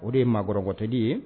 O de ye maa kɔrɔkɔtɔtigi ye